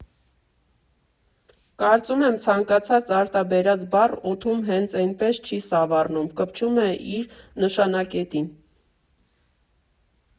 Կարծում եմ՝ ցանկացած արտաբերած բառ օդում հենց էնպես չի սավառնում, կպչում է իր նշանակետին։